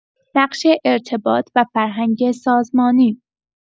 نقش ارتباط و فرهنگ سازمانی